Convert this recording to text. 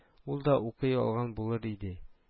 —ул да укый алган булыр иде